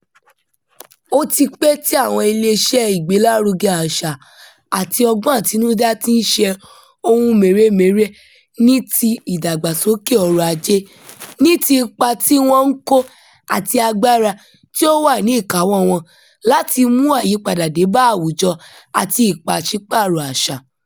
Ó ti pẹ́ tí àwọn iléeṣẹ́ ìgbélárugẹ àṣà àti ọgbọ́n àtinudá ti ń ṣe ohun mèremère ní ti ìdàgbàsókè ọrọ̀ Ajé, ní ti ipa tí wọ́n ń kó àti agbára tí ó wà níkàáwọ́ wọn láti mú àyípadà dé bá àwùjọ àti ìpàṣípààrọ̀ àṣà.